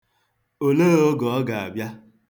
Olee oge ọ ga-abịa?